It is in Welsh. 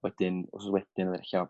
wedyn wsos wedyn ella